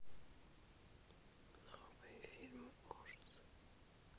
новые фильмы ужасов